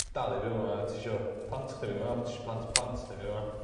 dal i fiw yma ti isio plant dyddie 'ma tsh- plant plant dyddie yma